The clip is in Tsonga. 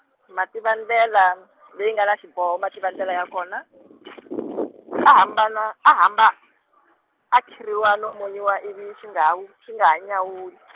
Mativandlela, leyi nga na ni xiboho Mativandlela ya kona, a hamba na, a hamba, a khirhiwa no monyiwa ivi swi nga ha swi nga ha nyawuli .